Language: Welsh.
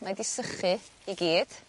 mae 'di sychu i gyd